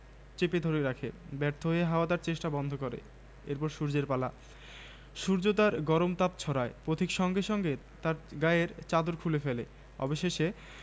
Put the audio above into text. রুনু বারো পেরিয়ে তেরোতে পড়েছে রাবেয়ার অশ্লীল কদৰ্য কথা তার না বুঝার কিছুই নেই লজ্জায় সে লাল হয়ে উঠেছিলো হয়তো সে কেঁদেই ফেলতো রুনু অল্পতেই কাঁদে